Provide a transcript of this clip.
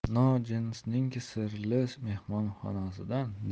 nojinsning sirli mehmonxonasidan